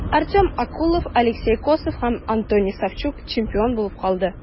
Артем Окулов, Алексей Косов һәм Антоний Савчук чемпион булып калды.